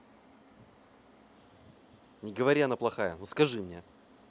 не говори она плохая ну скажи мне